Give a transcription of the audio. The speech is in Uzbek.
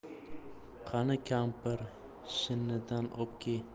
qani kampir shinnidan opke